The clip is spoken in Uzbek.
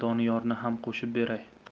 doniyorni ham qo'shib beray